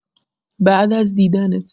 بعد از دیدنت